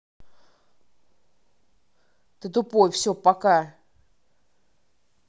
ты тупой все пока